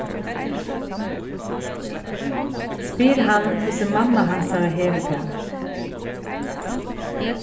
spyr hann hvussu mamma hansara hevur tað